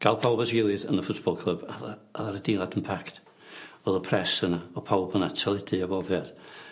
Ga'l pawb at 'i gilydd yn y football club a 'dd y a o'dd yr adeilad yn packed o'dd y press o' pawb yna teledu a bob peth.